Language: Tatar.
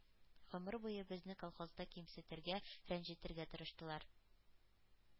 Гомер буе безне колхозда кимсетергә, рәнҗетергә тырыштылар.